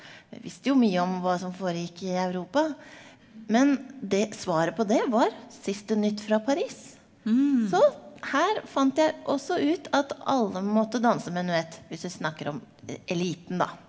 jeg visste jo mye om hva som foregikk i Europa, men det svaret på det var siste nytt fra Paris, så her fant jeg også ut at alle måtte danse menuett hvis du snakker om eliten da.